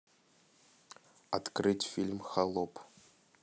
открыть фильм холоп